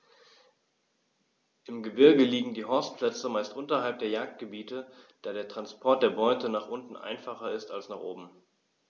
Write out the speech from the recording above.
Im Gebirge liegen die Horstplätze meist unterhalb der Jagdgebiete, da der Transport der Beute nach unten einfacher ist als nach oben.